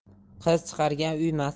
qiz chiqargan uy